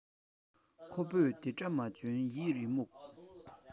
ཁོ བོས དེ འདྲ མ འཇོན ཡིད རེ རྨུགས